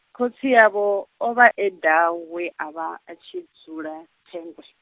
khosi yavho, o vha e Dau we a vha, a tshi dzula, Thengwe.